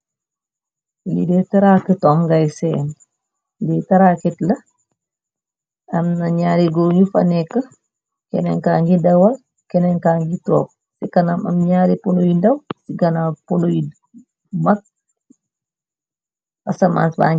Lii de taraakitom ngay seen, bi tarakit la, am na ñaari gur ñu fa neka, kenen kaa ngi dewal, kenen kaa ngi toog ci kanam am ñaari punu yu ndaw, si ganaaw, punu yu mag, asman baa ngi...